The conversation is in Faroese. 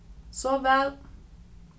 sov væl